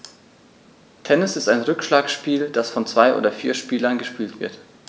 Tennis ist ein Rückschlagspiel, das von zwei oder vier Spielern gespielt wird.